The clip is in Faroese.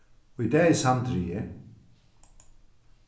í dag er samdrigið